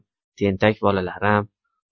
tentak bolalarim